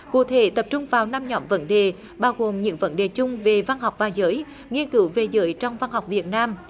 cụ thể tập trung vào năm nhóm vấn đề bao gồm những vấn đề chung về văn học và giới nghiên cứu về giới trong văn học việt nam